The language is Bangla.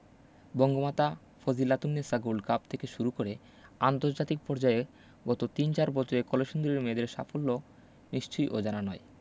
বঙ্গমাতা ফজিলাতুন্নেছা গোল্ড কাপ থেকে শুরু করে আন্তর্জাতিক পর্যায়ে গত তিন চার বছরে কলসিন্দুরের মেয়েদের সাফল্য নিশ্চয়ই অজানা নয়